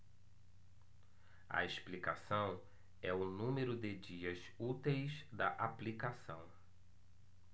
a explicação é o número de dias úteis da aplicação